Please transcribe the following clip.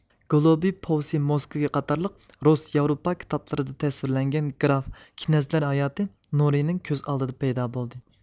گولۇبى پوۋسېي موسكۋى قاتارلىق رۇس ياۋروپا كىتابلىرىدىلا تەسۋىرلەنگەن گراف كىنەزلەر ھاياتى نۇرىنىڭ كۆز ئالدىدا پەيدا بولدى